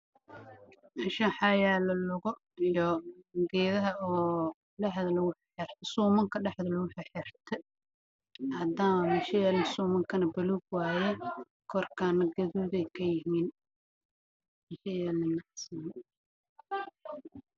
Meeshan waxa iga muuqda qalab visa tarabaati